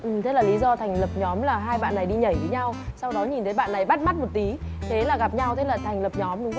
ừ thế là lý do thành lập nhóm là hai bạn này đi nhảy với nhau sau đó nhìn thấy bạn này bắt mắt một tí thế là gặp nhau thế là thành lập nhóm đúng